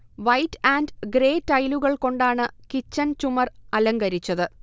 white and grey ടൈലുകൾ കൊണ്ടാണ് kitchen ചുമർ അലങ്കരിച്ചത്